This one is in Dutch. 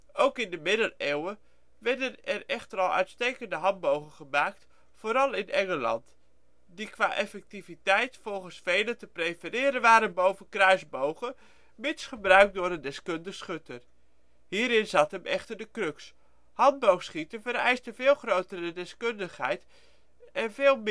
Ook in de Middeleeuwen werden er echter al uitstekende handbogen gemaakt, vooral in Engeland, die qua effectiviteit volgens velen te prefereren waren boven kruisbogen, mits gebruikt door een deskundig schutter. Hierin zat hem echter de crux: handboogschieten vereist een veel grotere deskundigheid en veel